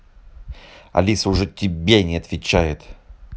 алиса уже тебя не отвечает